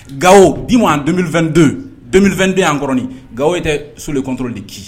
Gawo dis moi en 2022, 2022 an kɔrɔ nin, Gawo était sous le contrôle de qui